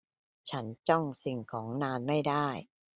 ฉันจ้องสิ่งของนานไม่ได้